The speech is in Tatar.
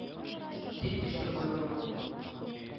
Дип кычкырган аңа.